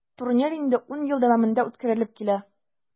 Турнир инде 10 ел дәвамында үткәрелеп килә.